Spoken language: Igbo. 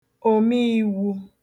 òmiīwū